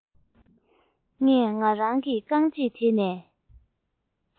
ངས ང རང གི རྐང རྗེས དེད ནས